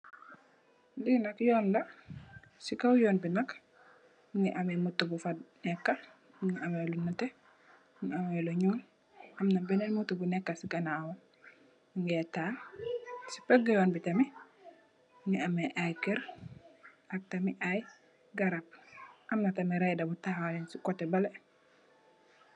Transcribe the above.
Li nak yuun la si kaw yuun bi nak mongi am moto bu fa neka mongi ame lu nete mongi ame lu nuul amna benen moto bu neka si ganawam monageh tax si pegi yunn bi tamit mongi ame ay keur ak tamit ay garab amna tamit raider bu taxaw si kote bele.